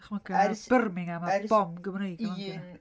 Dychmyga... ers. ...Birmingham... ers. ...a bom Gymreig yn... un landio 'na.